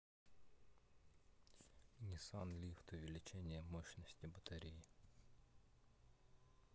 ниссан лифт увеличение мощности батареи